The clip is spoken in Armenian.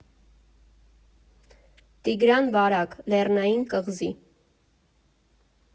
Տիգրան Վարագ, «Լեռնային կղզի»